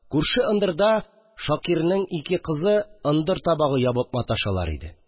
Күрше ындырда Шакирның ике кызы ындыр табагы ябып маташалар иде